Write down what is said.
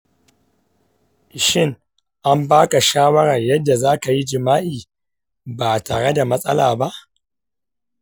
shin an baka shawar yadda zakayi jima'i ba tareda matsala ba?